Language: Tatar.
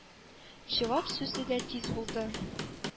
Җавап сүзе дә тиз булды.